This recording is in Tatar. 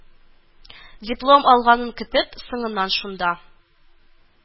Диплом алганын көтеп, соңыннан шунда